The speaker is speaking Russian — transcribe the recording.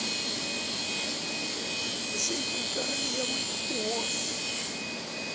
жизнь королевы ос